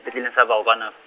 sepetlele sa Baragwanath.